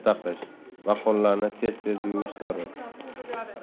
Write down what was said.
taqish va qo'llarni tez tez yuvish zarur